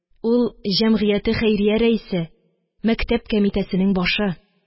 Ул – «Җәмгыяте хәйрия» рәисе, мәктәп комитәсенең башы.